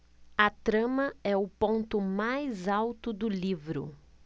a trama é o ponto mais alto do livro